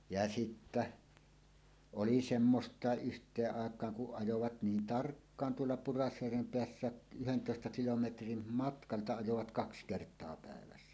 ja sitten oli semmoista yhteen aikaan kun ajoivat niin tarkkaan tuolla Pudasjärven päässä yhdentoista kilometrin matkalta ajoivat kaksi kertaa päivässä